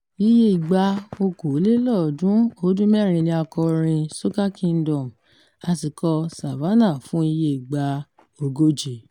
Iye ìgbà 336 ni a kọ orin “Soca Kingdom”, a sì kọ "Savannah" fún iye ìgbà 140.